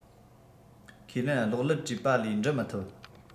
ཁས ལེན གློག ཀླད བྲིས པ ལས འབྲི མི ཐུབ